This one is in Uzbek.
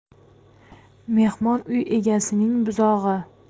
mehmon uy egasining buzog'i